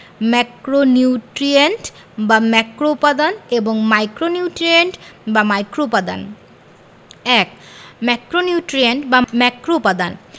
macronutrient বা ম্যাক্রোউপাদান এবং মাইক্রোনিউট্রিয়েন্ট বা মাইক্রোউপাদান ১ ম্যাক্রোনিউট্রিয়েন্ট বা ম্যাক্রোউপাদান